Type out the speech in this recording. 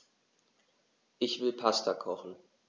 Ich will Pasta kochen.